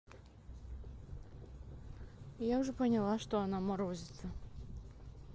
я уже поняла что она морозится